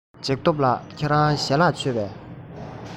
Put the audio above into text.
འཇིགས སྟོབས ལགས ཁྱེད རང ཞལ ལག མཆོད པས